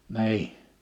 niin